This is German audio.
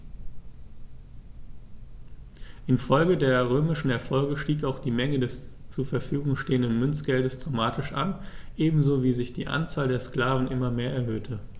Infolge der römischen Erfolge stieg auch die Menge des zur Verfügung stehenden Münzgeldes dramatisch an, ebenso wie sich die Anzahl der Sklaven immer mehr erhöhte.